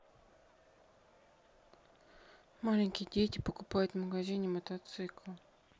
маленькие дети покупают в магазине мотоцикл